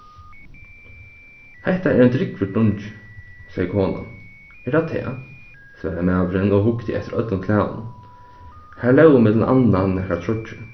hetta er ein drúgvur dungi segði konan er tað tað svaraði maðurin og hugdi eftir øllum klæðunum har lógu millum annað nakrar troyggjur